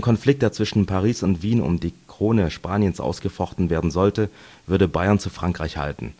Konflikt, der zwischen Paris und Wien um die Krone Spaniens ausgefochten werden sollte, würde Bayern zu Frankreich halten.